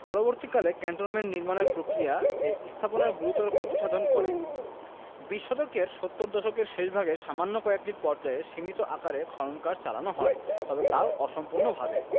পরবর্তীকালে ক্যান্টনমেন্ট নির্মাণের প্রক্রিয়া এই স্থাপনার গুরুতর ক্ষতিসাধন করে বিশ শতকের সত্তর দশকের শেষভাগে সামান্য কয়েকটি পর্যায়ে সীমিত আকারে খনন কার্য চালানো হয় তবে তাও অসম্পূর্ণভাবে